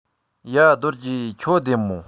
ཡ རྡོ རྗེ ཁྱོད བདེ མོ